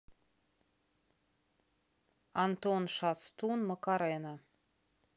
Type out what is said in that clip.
антон шастун макарена